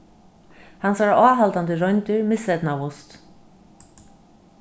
hansara áhaldandi royndir miseydnaðust